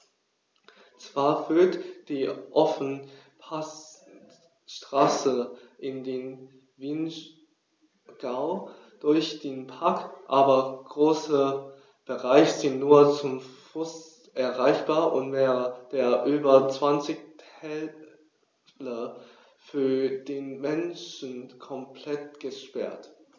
Zwar führt die Ofenpassstraße in den Vinschgau durch den Park, aber große Bereiche sind nur zu Fuß erreichbar und mehrere der über 20 Täler für den Menschen komplett gesperrt.